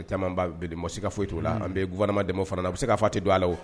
Caman bɔsi ka foyi' la an bɛ gma dɛmɛ fana bɛ se'a fa tɛ don ala la